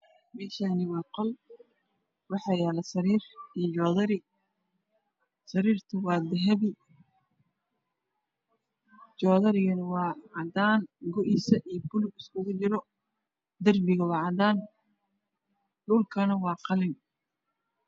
Meshani waa qol waxaa yaalo sariir iyo jooradi saroirta waa dahabi joradigana waacadan goiisane buliig isugojiro darbigane waa cadaan dhulkane waa qalin